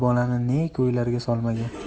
bolani ne ko'ylarga solmagan